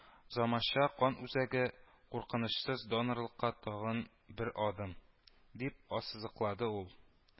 “заманча кан үзәге – куркынычсыз донорлыкка тагын бер адым”, - дип ассызыклады ул